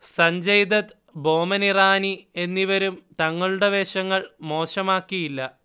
സഞ്ജയ്ദത്ത്, ബോമൻ ഇറാനി എന്നിവരും തങ്ങളുടെ വേഷങ്ങൾ മോശമാക്കിയില്ല